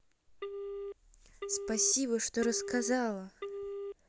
спасибо что рассказала